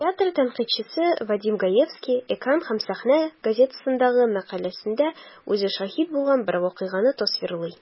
Театр тәнкыйтьчесе Вадим Гаевский "Экран һәм сәхнә" газетасындагы мәкаләсендә үзе шаһит булган бер вакыйганы тасвирлый.